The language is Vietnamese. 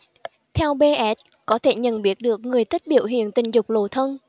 theo bs có thể nhận biết được người thích biểu hiện tình dục lộ thân